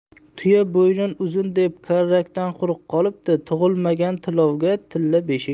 tuya bo'ynim uzun deb karrakdan quruq qolibdi tug'ilmagan tilovga tilla beshik